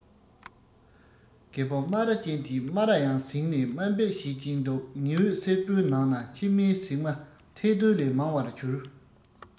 རྒད པོ སྨ ར ཅན དེས སྨ ར ཡང གཟེངས ནས དམའ འབེབས བྱེད ཀྱིན འདུག ཉི འོད སེར པོའི ནང ན མཆིལ མའི ཟེགས མ ཐལ རྡུལ ལས མང བར གྱུར